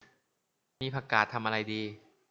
มีผักกาดทำอะไรดี